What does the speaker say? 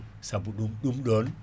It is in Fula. saabuɗum ɗum ɗon